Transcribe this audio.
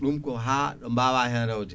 ɗum ko ha ɗo mbawa hen rewde